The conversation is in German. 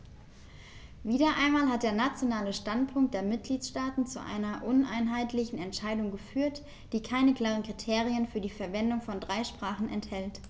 Wieder einmal hat der nationale Standpunkt der Mitgliedsstaaten zu einer uneinheitlichen Entscheidung geführt, die keine klaren Kriterien für die Verwendung von drei Sprachen enthält.